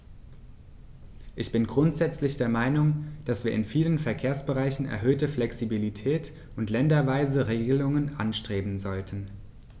Ich bin grundsätzlich der Meinung, dass wir in vielen Verkehrsbereichen erhöhte Flexibilität und länderweise Regelungen anstreben sollten.